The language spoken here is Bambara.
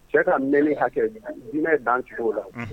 Cɛ ka mɛn ni hakɛ diinɛ dan sugu o la